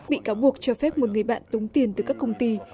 bị cáo buộc cho phép một người bạn tống tiền từ các công ty